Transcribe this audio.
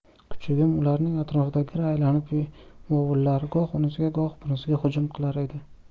kuchugim ularning atrofida gir aylanib vovullar goh unisiga goh bunisiga hujum qilar edi